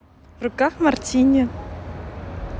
в руках мартини